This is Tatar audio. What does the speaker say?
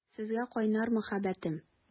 Сезгә кайнар мәхәббәтем!